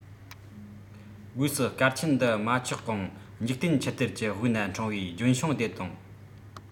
སྒོས སུ སྐལ ཆེན འདི མ ཆགས གོང འཇིག རྟེན ཆུ གཏེར གྱི དབུས ན འཁྲུངས པའི ལྗོན ཤིང དེ དང